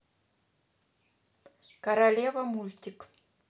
королева мультик